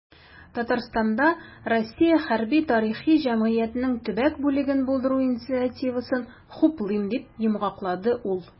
"татарстанда "россия хәрби-тарихи җәмгыяте"нең төбәк бүлеген булдыру инициативасын хуплыйм", - дип йомгаклады ул.